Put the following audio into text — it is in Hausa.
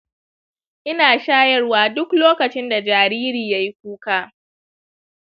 ina shayarwa duk lokacin da jariri yayi kuka.